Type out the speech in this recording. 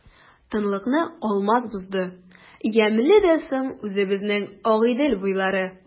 Тынлыкны Алмаз бозды:— Ямьле дә соң үзебезнең Агыйдел буйлары!